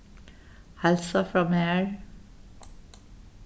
heilsa frá mær